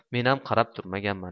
menam qarab turmaganman